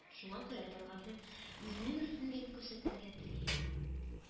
Шуңа күрә тәлгатнең үзенең өстенлеген күрсәтергә тели иде